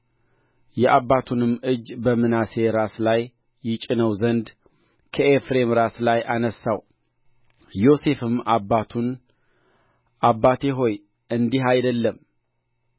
የአባቱንም እጅ በምናሴ ራስ ላይ ይጭነው ዘንድ ከኤፍሬም ራስ ላይ አነሣው ዮሴፍም አባቱን አባቴ ሆይ እንዲህ አይደለም